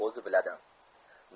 o'zi biladi